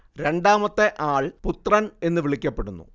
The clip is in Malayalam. രണ്ടാമത്തെ ആൾ പുത്രൻ എന്ന് വിളിക്കപ്പെടുന്നു